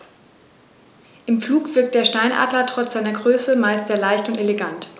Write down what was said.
Im Flug wirkt der Steinadler trotz seiner Größe meist sehr leicht und elegant.